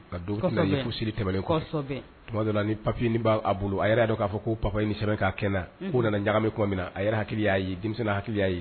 Ka don seli tɛmɛnen tuma ni pafiyeini b'a bolo a y yɛrɛ' dɔn k'a fɔ ko papyi ni sɛbɛn' kɛnɛ na'o nana ɲagamɛ kɔ min na a ye hakili' ye denmisɛn hakili y'a ye